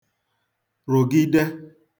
rụ̀gide